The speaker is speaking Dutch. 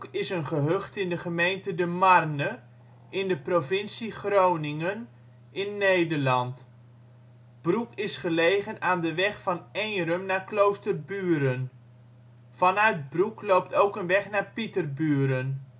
is een gehucht in de gemeente De Marne in de provincie Groningen, Nederland. Broek is gelegen aan de weg van Eenrum naar Kloosterburen. Vanuit Broek loopt ook een weg naar Pieterburen